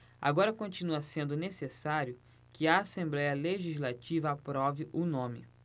agora continua sendo necessário que a assembléia legislativa aprove o nome